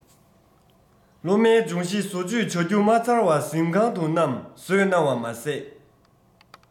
སློབ མའི སྦྱོང གཞི བཟོ བཅོས བཟོ བཅོས བྱ རྒྱུ མ ཚར བ གཟིམ ཁང དུ བསྣམས བཟོས གནང བ མ ཟད